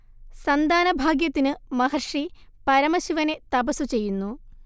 സന്താനഭാഗ്യത്തിനു മഹർഷി പരമശിവനെ തപസ്സു ചെയ്യുന്നു